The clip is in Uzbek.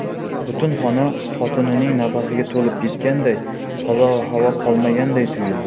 butun xona xotinining nafasiga to'lib ketganday toza havo qolmaganday tuyuldi